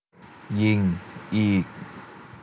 ยิงอีก